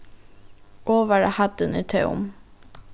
ovara hæddin er tóm